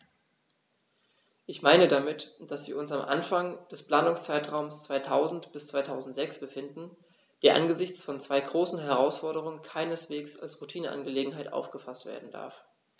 Ich meine damit, dass wir uns am Anfang des Planungszeitraums 2000-2006 befinden, der angesichts von zwei großen Herausforderungen keineswegs als Routineangelegenheit aufgefaßt werden darf.